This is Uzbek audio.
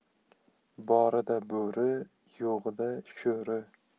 borida bo'ri yo'g'ida sho'ri